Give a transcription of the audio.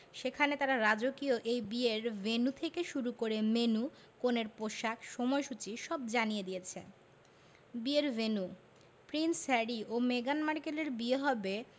সেখানে তারা রাজকীয় এই বিয়ের ভেন্যু থেকে শুরু করে মেন্যু কনের পোশাক সময়সূচী সব জানিয়ে দিয়েছে বিয়ের ভেন্যু প্রিন্স হ্যারি ও মেগান মার্কেলের বিয়ে হবে